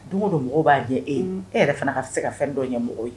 Dugu don mɔgɔw b'a ɲɛ e e yɛrɛ fana ka se ka fɛn dɔ ye mɔgɔw ye